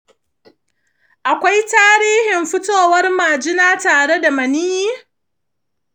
akwai tarihin fitowar majina tare da maniyyi?